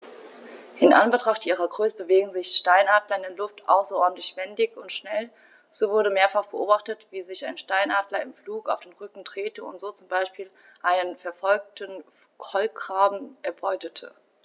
In Anbetracht ihrer Größe bewegen sich Steinadler in der Luft außerordentlich wendig und schnell, so wurde mehrfach beobachtet, wie sich ein Steinadler im Flug auf den Rücken drehte und so zum Beispiel einen verfolgenden Kolkraben erbeutete.